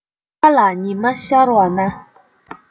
མཁའ ལ ཉི མ ཤར བ ན